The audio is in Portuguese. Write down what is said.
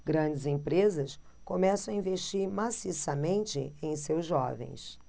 grandes empresas começam a investir maciçamente em seus jovens